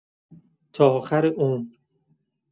تا آخر عمر!